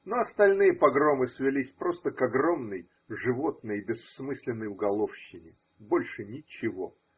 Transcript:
Но остальные погромы свелись просто к огромной, животной и бессмысленной уголовщине – больше ничего.